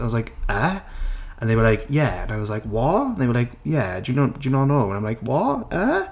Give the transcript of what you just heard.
I was like "Yy?". And they were like "Yeah." And I was like "What?!". And they were like "Yeah. Do you no- do you not know?". And I'm like "What uh?".